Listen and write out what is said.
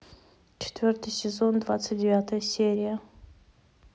четвертый сезон двадцать девятая серия